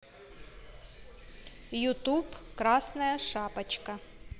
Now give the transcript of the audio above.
ютуб красная шапочка